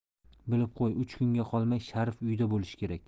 bilib qo'y uch kunga qolmay sharif uyda bo'lishi kerak